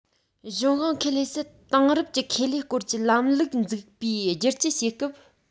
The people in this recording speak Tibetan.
གཞུང དབང ཁེ ལས སུ དེང རབས ཀྱི ཁེ ལས སྐོར གྱི ལམ ལུགས འཛུགས པའི བསྒྱུར བཅོས བྱེད སྐབས